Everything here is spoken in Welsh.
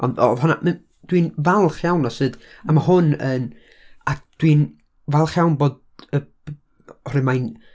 Ond oedd honna, mn- dwi'n falch iawn o sut, a ma' hwn yn... a dwi'n falch iawn bod, y, b... oherwydd mae'n...